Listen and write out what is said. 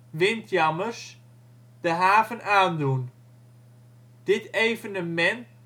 windjammers) de haven aandoen. Dit evenement